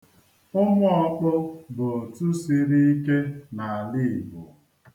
Ụmụọkpụ bụ otu siri ike n'ala Igbo.